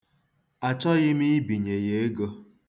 Achọghị m ibinye ya ego.